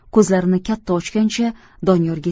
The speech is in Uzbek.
ko'zlarini katta ochgancha doniyorga